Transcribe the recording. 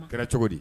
Kɛra cogo di.